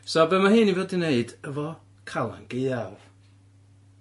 So be ma' hyn i fod i neud efo Calan Gaeaf?